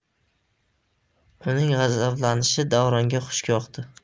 uning g'azablanishi davronga xush yoqdi